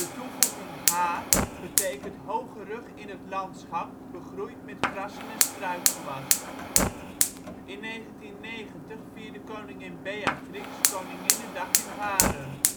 toevoeging ' haar ' betekent: hoge rug in het landschap begroeid met grassen en struikgewas. In 1990 vierde Koningin Beatrix Koninginnedag in Haren